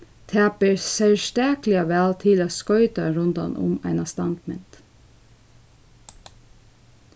tað ber serstakliga væl til at skoyta rundan um eina standmynd